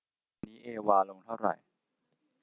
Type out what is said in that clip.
วันนี้เอวาลงเท่าไหร่